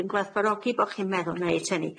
Dwi'n gwerthfawrogi bo' chi'n meddwl neud hynny.